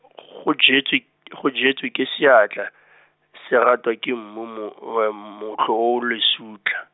go jetswe, go jetswe ke seatla , se ratwa ke mmu mo- uwe- motlho o o lesutlha.